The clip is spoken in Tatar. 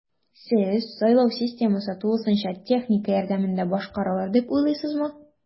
Сез сайлау системасы тулысынча техника ярдәмендә башкарарылыр дип уйлыйсызмы?